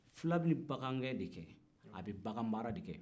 fula bɛ bagan gɛn de kɛ a bɛ bagan mara de kɛ